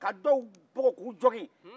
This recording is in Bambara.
ka dɔw bugɔ k'u jogin